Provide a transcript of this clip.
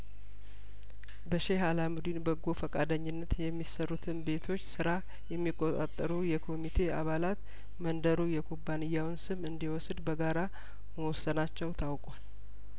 በሼህ አላሙዲን በጐ ፈቃደኝነት የሚሰሩትን ቤቶች ስራ የሚቆጣጠሩ የኮሚቴ አባላት መንደሩ የኩባንያውን ስም እንዲ ወስድ በጋራ መወሰ ናቸው ታውቋል